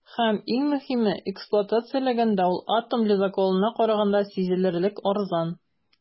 Һәм, иң мөһиме, эксплуатацияләгәндә ул атом ледоколына караганда сизелерлек арзан.